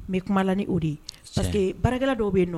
N bɛ kuma la ni o de ye parce que baarakɛlan dɔw bɛ yen non